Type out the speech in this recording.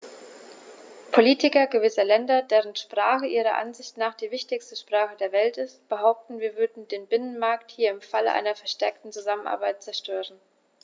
Politiker gewisser Länder, deren Sprache ihrer Ansicht nach die wichtigste Sprache der Welt ist, behaupten, wir würden den Binnenmarkt hier im Falle einer verstärkten Zusammenarbeit zerstören.